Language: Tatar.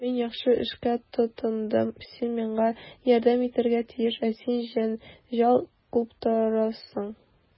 Мин яхшы эшкә тотындым, син миңа ярдәм итәргә тиеш, ә син җәнҗал куптарасың.